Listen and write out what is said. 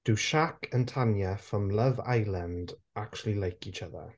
Do Shaq and Tanya from Love Island actually like each other?